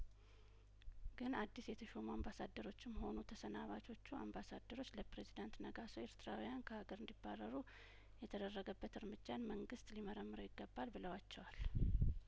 ግን አዲስ የተሾሙ አምባሳደሮችም ሆኑ ተሰናባቾቹ አምባሳደሮች ለፕሬዝዳንት ነጋሶ ኤርትራውያን ከሀገር እንዲባረሩ የተደረገበት እርምጃን መንግስት ሊመረምረው ይገባል ብለዋቸዋል